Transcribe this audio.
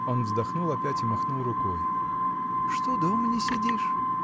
Он вздохнул опять и махнул рукой. — Что дома не сидишь?